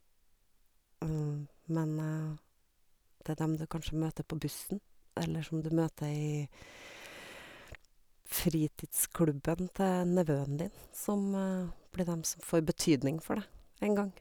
Men det er dem du kanskje møter på bussen, eller som du møter i fritidsklubben til nevøen din, som blir dem som får betydning for deg en gang.